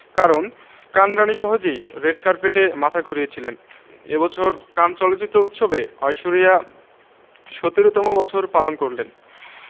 কারন কান রাণী সহজেই রেড কার্পেটে মাথা ঘুরিয়েছিলেন এ বছর কান চলচ্চিত্র উৎসবে ঐশ্বরিয়া ১৭তম বছর পালন করলেন